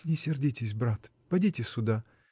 — Не сердитесь, брат, подите сюда!